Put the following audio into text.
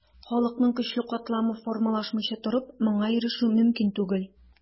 Халыкның көчле катламы формалашмыйча торып, моңа ирешү мөмкин түгел.